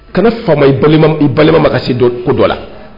Kana fama i balima ma ka se ko dɔ ko dɔ la